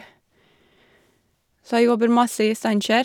Så jeg jobber masse i Steinkjer.